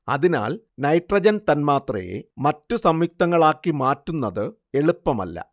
അതിനാൽ നൈട്രജൻ തന്മാത്രയെ മറ്റു സംയുക്തങ്ങളാക്കി മാറ്റുന്നത് എളുപ്പമല്ല